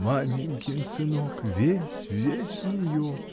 — Маменькин сынок: весь, весь в нее!